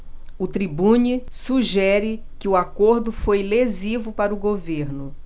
o tribune sugere que o acordo foi lesivo para o governo